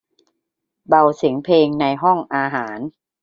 เบาเสียงเพลงในห้องอาหาร